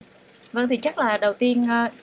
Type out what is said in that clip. vâng thì chắc là đầu tiên ờ